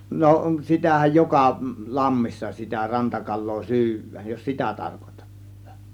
no sitähän joka lammissa sitä rantakalaa syödään jos sitä tarkoitatte